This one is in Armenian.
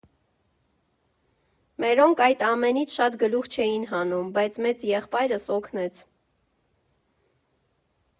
Մերոնք այդ ամենից շատ գլուխ չէին հանում, բայց մեծ եղբայրս օգնեց։